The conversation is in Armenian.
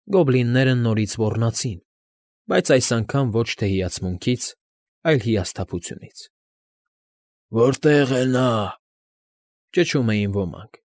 Գոբլինները նորից ոռնացին, բայց այս անգամ ոչ թե հիացմունքից, այլ հիասթափությունից։ ֊ Որտե՞ղ է նա,֊ ճչում էին ոմանք։ ֊